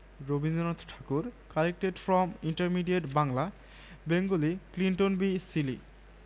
তখন মনে হতো গম্বুজগুলো যেন মস্ত পাখি সোনালি নদীতে নেয়ে উঠেছে এক্ষুনি পাখা মেলে উড়তে শুরু করবে আবার